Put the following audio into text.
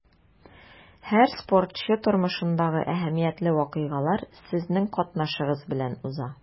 Һәр спортчы тормышындагы әһәмиятле вакыйгалар сезнең катнашыгыз белән уза.